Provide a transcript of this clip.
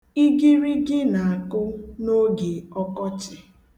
Igirigi na-akụ n'oge ọkọchị.